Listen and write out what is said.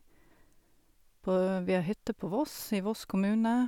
på Vi har hytte på Voss, i Voss kommune.